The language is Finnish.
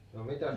no mitäs oli